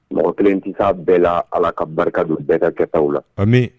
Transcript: Mɔgɔ 1 tɛ se a bɛɛ la, allah ka barika don bɛɛ ka kɛtaw la.